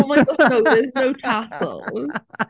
Oh my God no there's no tassles.